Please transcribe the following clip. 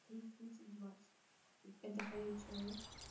это поет человек